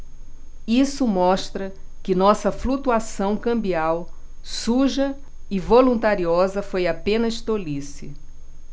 isso mostra que nossa flutuação cambial suja e voluntariosa foi apenas tolice